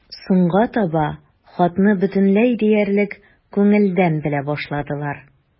Соңга таба хатны бөтенләй диярлек күңелдән белә башладылар.